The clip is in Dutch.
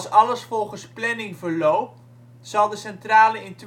alles volgens planning verloopt, zal de centrale